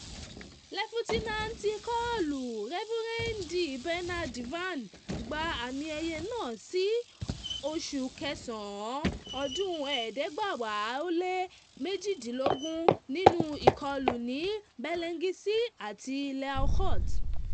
Lt Col The Reverend Bernard Vann gba àmì ẹ̀yẹ náà ní oṣù kẹsàn án 1918 nínú ìkọlù ní Bellenglise àti Lehaucourt.